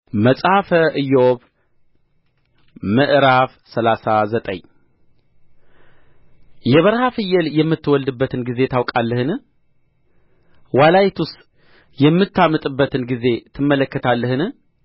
መጽሐፈ ኢዮብ ምዕራፍ ሰላሳ ዘጠኝ የበረሃ ፍየል የምትወልድበትን ጊዜ ታውቃለህን ዋላይቱስ የምታምጥበትን ጊዜ ትመለከታለህን